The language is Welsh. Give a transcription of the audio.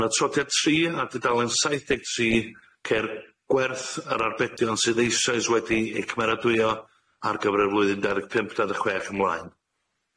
Yn atroddiad tri a dudalen saith deg tri cer gwerth yr arbedion sydd eisoes wedi eu cymeradwyo ar gyfer y flwyddyn dau ddeg pump dau ddeg chwech ymlaen.